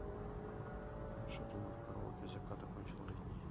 шатунов караоке закат окончил летний